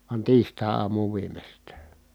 vaan tiistaiaamuun viimeistään